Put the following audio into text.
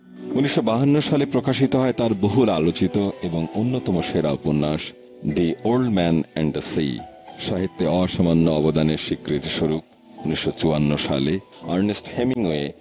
১৯৫২ সালে প্রকাশিত হয় তার বহুল আলোচিত এবং অন্যতম সেরা উপন্যাস the old man and the sea সাহিত্য অসামান্য অবদানের স্বীকৃতিস্বরূপ ১৯৫৪ সালে আর্নেস্ট হেমিংওয়ে